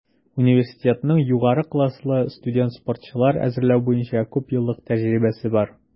Университетның югары класслы студент-спортчылар әзерләү буенча күпьеллык тәҗрибәсе бар.